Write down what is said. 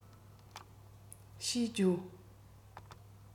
ཞེས བརྗོད